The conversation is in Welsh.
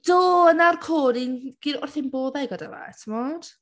Do, 'na'r wrth ein boddau gyda fe, timod?